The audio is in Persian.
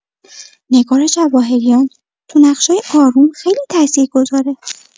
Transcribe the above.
نگار جواهریان تو نقشای آروم خیلی تاثیرگذاره.